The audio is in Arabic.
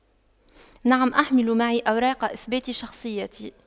نعم احمل معي أوراق اثبات شخصيتي